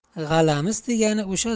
g'alamis degani o'sha